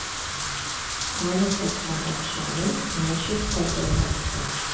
Аны саткан акчаны мәчет салдыруга тотына.